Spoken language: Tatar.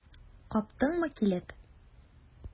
Каптыңмы килеп?